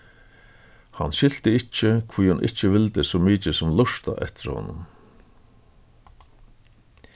hann skilti ikki hví hon ikki vildi so mikið sum lurta eftir honum